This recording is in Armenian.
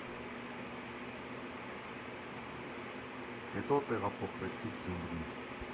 Հետո տեղափոխվեցի Գյումրի։